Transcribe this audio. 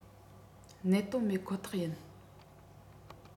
གནད དོན མེད ཁོ ཐག ཡིན